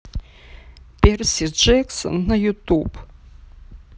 перси джексон на ютуб